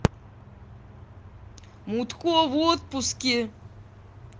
мутко в отпуске